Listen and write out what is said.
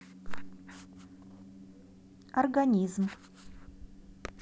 организм